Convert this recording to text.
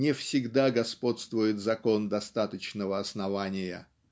не всегда господствует закон достаточного основания.